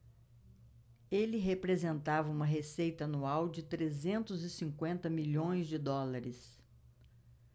ele representava uma receita anual de trezentos e cinquenta milhões de dólares